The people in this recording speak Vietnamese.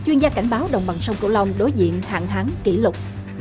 chuyên gia cảnh báo đồng bằng sông cửu long đối diện hạn hán kỷ lục